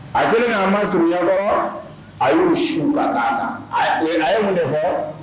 A kɛlen k'a masurunya i kɔrɔ, a y'u su ka k'an. A ye mun de fɔ